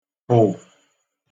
-pụ